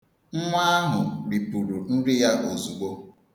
Nwa ahụ ripụrụ nri ya ozugbo.